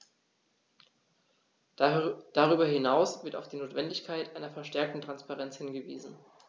Darüber hinaus wird auf die Notwendigkeit einer verstärkten Transparenz hingewiesen.